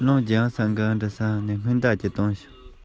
གཏད པའི སྒེ འུ ཁུང ལས ཁང པའི ནང དུ འཕྲོས